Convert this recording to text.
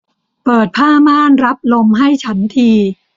เปิดผ้าม่านรับลมให้ฉันที